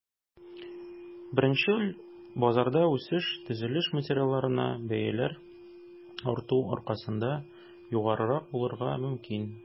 Беренчел базарда үсеш төзелеш материалларына бәяләр арту аркасында югарырак булырга мөмкин.